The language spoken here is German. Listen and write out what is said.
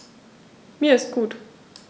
Mir ist gut.